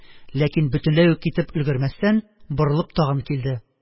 Ләкин бөтенләй үк китеп өлгермәстән, борылып тагын килде.